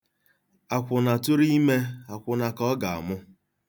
Akwụna tụrụ ime akwụna ka ọ ga-amụ.